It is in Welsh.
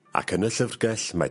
Ac yn y llyfrgell mae...